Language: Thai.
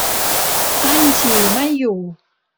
อั้นฉี่ไม่อยู่